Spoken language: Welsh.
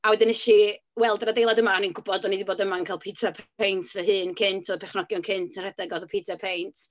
A wedyn wnes i weld yr adeilad yma. O'n i'n gwybod o'n i 'di bod yma yn cael pitsa a peint fy hun cynt. Oedd y pechnogion cynt yn rhedeg o fatha Pitsa a Peint.